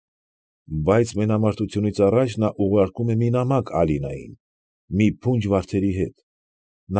Բայց մենամարտությունից առաջ նա ուղարկում է մի նամակ Ալինային՝ մի փունջ վարդերի հետ։